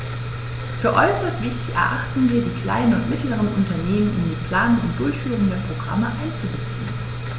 Für äußerst wichtig erachten wir, die kleinen und mittleren Unternehmen in die Planung und Durchführung der Programme einzubeziehen.